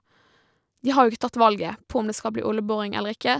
De har jo ikke tatt valget på om det skal bli oljeboring eller ikke.